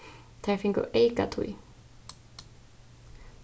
tær fingu eykatíð